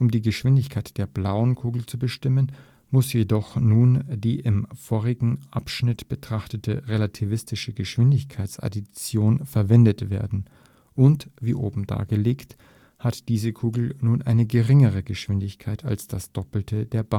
die Geschwindigkeit der blauen Kugel zu bestimmen, muss jedoch nun die im vorigen Abschnitt betrachtete relativistische Geschwindigkeitsaddition verwendet werden, und – wie oben dargelegt – hat diese Kugel nun eine geringere Geschwindigkeit als das Doppelte der Bahnsteiggeschwindigkeit